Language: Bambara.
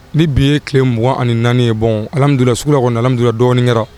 Ni bi ye tile mugan ani naani ye bɔndu sugula kɔnɔ nadura dɔɔninkɛ